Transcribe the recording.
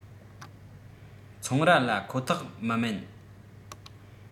ཚོང ར ལ ཁོ ཐག མི དམན